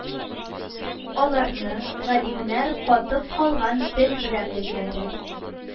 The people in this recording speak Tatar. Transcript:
Аларны галимнәр катып калган тел берәмлекләре